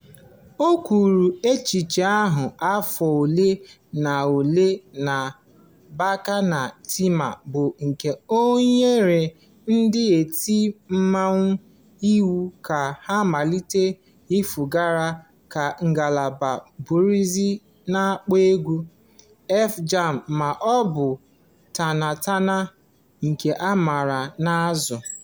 O kwuru echiche ahụ afọ ole na ole na "Bacchanal Time", bụ nke o nyere ndị na-eti mmọnwụ iwu ka ha "malite ifegharị" ka ngalaba bụrazị na-akpọ egwu "F-jam" ma ọ bụ "tantana" nke a maara n'azụ.